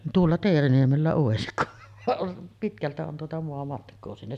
tuolla Teeriniemellä olisi kun vaan on pitkältä on tuota maamatkaa sinne